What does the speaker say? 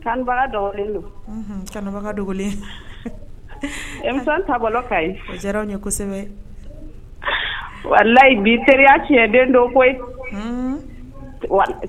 Tanbagalen don tanbaga dogolen e taabolo ka ɲi ye kosɛbɛ walayi bi teriya tiɲɛ den dɔ koyi